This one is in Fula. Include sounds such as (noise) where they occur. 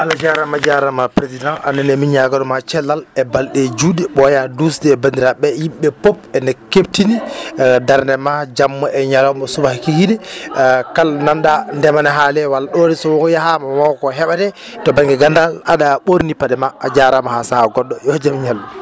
Allah jarama a jarama président anenne emin ñagonoma cellal e balɗe jutɗe ɓooya dusde bandiraɓe yimɓe poop ene keptini dardema jamma e ñalawma subaka e kikiɗe (hesitation) kala nanɗa ndema ne haale walla ɗon so yaama wonko heeɓate to banggue gandal aɗa ɓoorni paaɗama a jarama ha saaha goɗɗo yo jaam ñallu